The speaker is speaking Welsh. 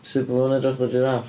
Sut bod hwnna'n edrych fatha jiráff?